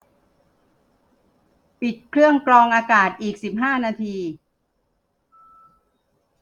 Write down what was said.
ปิดเครื่องกรองอากาศอีกสิบห้านาที